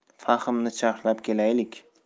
fahmni charhlab kelaylik